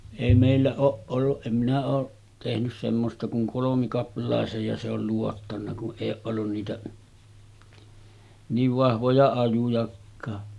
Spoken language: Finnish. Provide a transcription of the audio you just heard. ei meillä ole ollut en minä ole tehnyt semmoista kun kolmikaplaisen ja se oli luottanut kun ei ole ollut niitä niin vahvoja ajojakaan